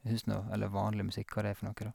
jeg syns nå eller Vanlig musikk, hva det er for noe, da.